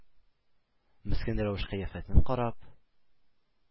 Мескен рәвеш-кыяфәтен карап